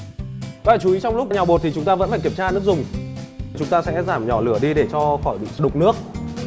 các bạn chú ý trong lúc nhào bột thì chúng ta vẫn phải kiểm tra nước dùng chúng ta sẽ giảm nhỏ lửa đi để cho khỏi bị đục nước